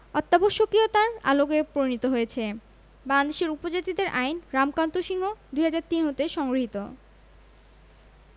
অত্যাবশ্যকীয়তার আলোকে প্রণীত হয়েছে বাংলাদেশের উপজাতিদের আইন রামকান্ত সিংহ ২০০৩ হতে সংগৃহীত